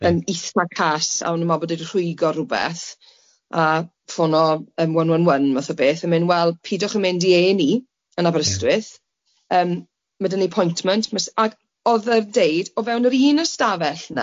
yn itha cas ac o'n nw'n meddwl bod e 'di rhwygo rwbeth a ffono yym one one one fath o beth yn myn' wel pidwch yn mynd i Ay and Ee yn Aberystwyth yym ma' 'dan ni appointment mas- ag o'dd e'n deud o fewn yr un ystafell 'na